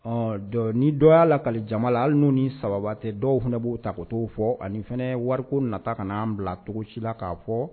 Ɔn ni dɔ ya lakale jama la hali nu ni saba tɛ dɔw fana bo ta ko fɔ ani fɛnɛ wariko nata ka nan bila cogosi la ka fɔ